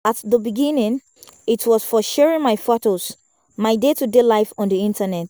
At the beginning, it was for sharing my photos, my day-to-day life on the internet.